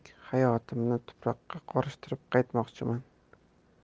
tuproqqa qorishtirib qaytmoqchiman